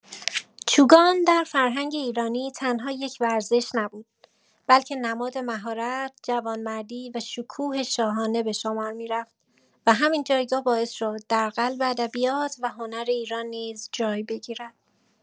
چوگان در فرهنگ ایرانی تنها یک ورزش نبود، بلکه نماد مهارت، جوانمردی و شکوه شاهانه به شمار می‌رفت و همین جایگاه باعث شد در قلب ادبیات و هنر ایران نیز جای بگیرد.